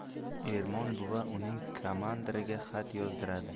ermon buva uning komandiriga xat yozdiradi